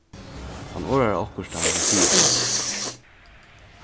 hann orðar okkurt tá hann sigur okkurt